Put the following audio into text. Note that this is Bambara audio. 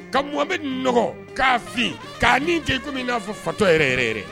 Ka mɔ bɛ k'a fili k'a cɛ n'a fɔ fatɔ yɛrɛ